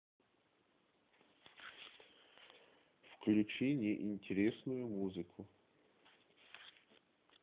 включи не интересную музыку